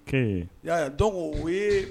Un ya dɔw u